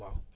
waaw